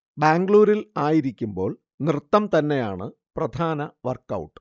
ബാംഗ്ലൂരിൽ ആയിരിക്കുമ്പോള്‍ നൃത്തം തന്നെയാണ് പ്രധാന വർക്ക് ഔട്ട്